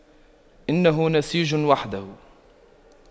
إنه نسيج وحده